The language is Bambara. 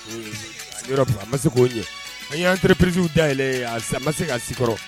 An ma se k'o ɲɛ an y'anpreperezw dayɛlɛn ma se ka si kɔrɔ